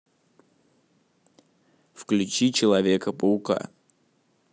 включи человека паука